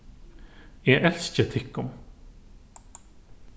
eg elski tykkum